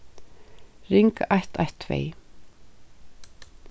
ring eitt eitt tvey